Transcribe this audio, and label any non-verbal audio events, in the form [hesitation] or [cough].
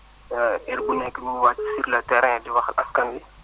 [hesitation] diir bu nekk [noise] mu wàcc sur :fre le terrain di wax ak askan wi